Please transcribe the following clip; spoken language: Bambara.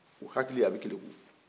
u hakili a bɛ keleku